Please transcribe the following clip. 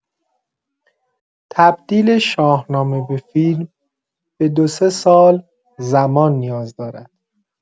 تبدیل شاهنامه به فیلم، به دو سه سال زمان نیاز دارد.